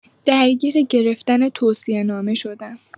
درگیر گرفتن توصیه‌نامه شدم